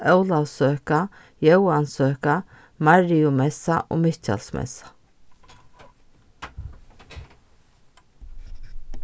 ólavsøka jóansøka mariumessa og mikkjalsmessa